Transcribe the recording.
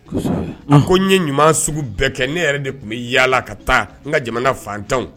A ko n ye ɲuman sugu bɛɛ kɛ ne yɛrɛ de tun bɛ yaala ka taa n ka jamana fantanw